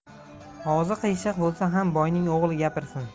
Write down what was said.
og'zi qiyshiq bo'lsa ham boyning o'g'li gapirsin